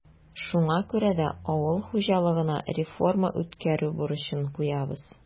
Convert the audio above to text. Шуңа күрә дә авыл хуҗалыгына реформа үткәрү бурычын куябыз.